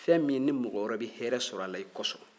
fɛn min ni mɔgɔ wɛrɛ bɛ yɛrɛ sɔrɔ a la i kosɔn